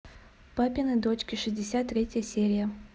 папины дочки шестьдесят третья серия